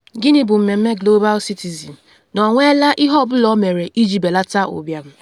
Gịnị bụ Mmemme Global Citizen, na Ọ nwela Ihe Ọ Bụla Ọ Mere Iji Belata Ụbịam?